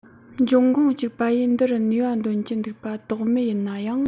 འབྱུང ཁུངས གཅིག པ ཡིས འདི རུ ནུས པ འདོན གྱི འདུག པ དོགས མེད ཡིན ན ཡང